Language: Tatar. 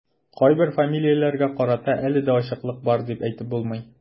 Кайбер фамилияләргә карата әле дә ачыклык бар дип әйтеп булмый.